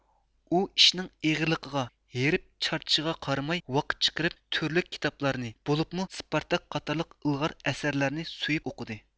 ئۇ ئىشنىڭ ئېغىرلىقىغا ھېرىپ چارچىشىغا قارىماي ۋاقىت چىقىرىپ تۈرلۈك كىتابلارنى بولۇپمۇ سپارتاك قاتارلىق ئىلغار ئەسەرلەرنى سۆيۈپ ئوقۇدى